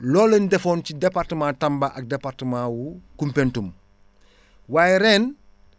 loo leen defoon defoon ci département Tamba ak département wu Koupentoume waaye ren